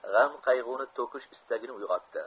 g'am qayg'uni to'kish istagini uyg'otdi